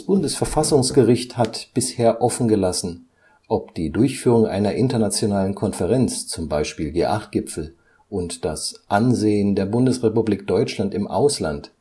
Bundesverfassungsgericht hat bisher offengelassen, ob die „ Durchführung einer internationalen Konferenz “(G8-Gipfel) und das „ Ansehen der Bundesrepublik Deutschland im Ausland